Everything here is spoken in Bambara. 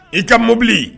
I tɛ mobili